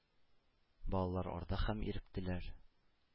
Балалар арды һәм иректеләр.